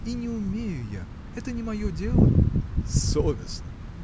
— И не умею я: это не мое дело! — Совестно!